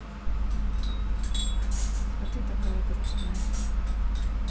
а ты такая грустная